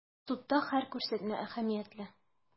Судта һәр күрсәтмә әһәмиятле.